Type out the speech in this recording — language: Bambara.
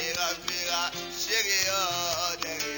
Miniyan sɛyɔrɔ dɛ